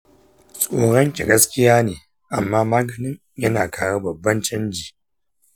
tsoronki gaskiya ne amma maganin yana kawo babban canji.